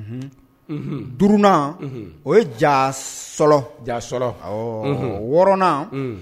Unhun, unhun, 5nan, unhun, o ye jaasɔlɔ, jaasɔlɔ awɔ 6nan